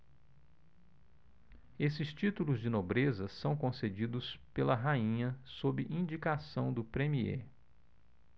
esses títulos de nobreza são concedidos pela rainha sob indicação do premiê